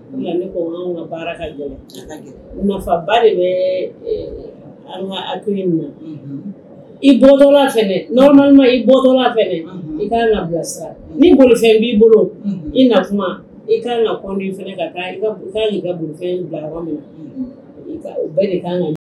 Ka baara ka nafaba de bɛ min i bɔtɔ i bɔ i ka nabila ni bolo b'i bolo i na kuma i ka na fɛ i ka bolo bila min u bɛɛ de kan kan